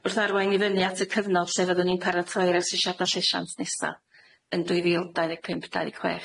wrth arwain i fyny at y cyfnod lle fyddwn ni'n paratoi'r asesiadau llesiant nesa yn dwy fil dau ddeg pump, dau ddeg chwech.